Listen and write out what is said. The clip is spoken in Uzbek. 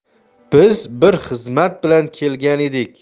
biz bir xizmat bilan kelgan edik